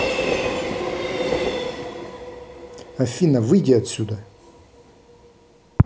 афина выйди отсюда